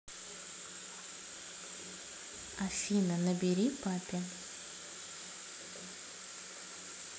афина набери папе